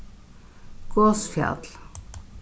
gosfjall